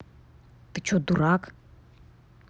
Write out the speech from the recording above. ты ты че дурак